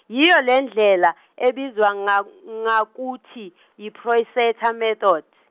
yiyo lendlela ebizwa nga ngakuthi yi- Proyset method.